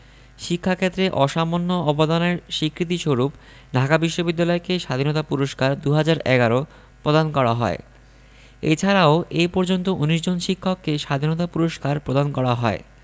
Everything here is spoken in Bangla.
শিক্ষা ক্ষেত্রে অসামান্য অবদানের স্বীকৃতিস্বরূপ ঢাকা বিশ্ববিদ্যালয়কে স্বাধীনতা পুরস্কার ২০১১ প্রদান করা হয় এছাড়াও এ পর্যন্ত ১৯ জন শিক্ষককে স্বাধীনতা পুরস্কার প্রদান করা হয়